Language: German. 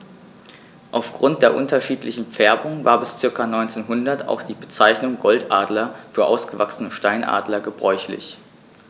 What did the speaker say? Auf Grund der unterschiedlichen Färbung war bis ca. 1900 auch die Bezeichnung Goldadler für ausgewachsene Steinadler gebräuchlich.